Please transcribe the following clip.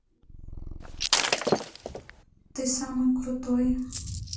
ты самый крутой